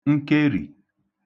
nkerì